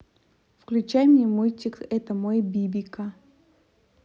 включай мне мультик это мой бибика